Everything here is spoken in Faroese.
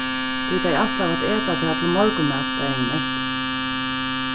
tí tey ætlaðu at eta tað til morgunmat dagin eftir